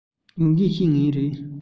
ཡོང བཞིན བཤས ངེས རེད